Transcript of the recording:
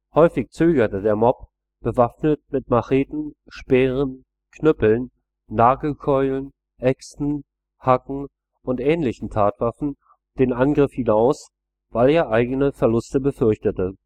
Häufig zögerte der Mob – bewaffnet mit Macheten, Speeren, Knüppeln, Nagelkeulen, Äxten, Hacken und ähnlichen Tatwaffen – den Angriff hinaus, weil er eigene Verluste befürchtete